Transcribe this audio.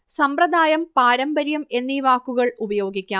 സമ്പ്രദായം പാരമ്പര്യം എന്നീ വാക്കുകൾ ഉപയോഗിക്കാം